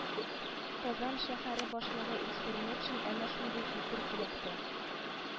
Казан шәһәре башлыгы Илсур Метшин әнә шундый фикер-теләктә